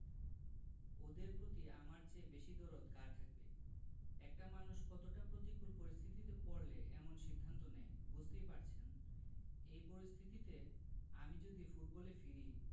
ওদের প্রতি আমার চেয়ে বেশি দরদ কার থাকবে একটা মানুষ কতটা প্রতিকূল পরিস্থিতিতে পড়লে এমন সিদ্ধান্ত নেয় বুঝতেই পারছেন এই পরিস্থিতিতে আমি যদি ফুটবলে ফিরি